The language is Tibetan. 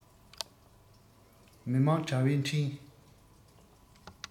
མི དམངས དྲ བའི འཕྲིན